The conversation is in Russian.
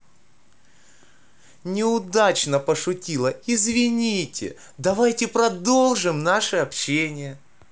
неудачно пошутила извините давайте продолжим наше общение